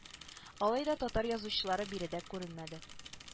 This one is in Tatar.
Алай да татар язучылары биредә күренмәде